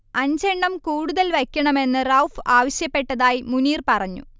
അഞ്ചെണ്ണം കൂടുതൽ വയ്ക്കണമെന്ന് റഊഫ് ആവശ്യപ്പെട്ടതായി മുനീർ പറഞ്ഞു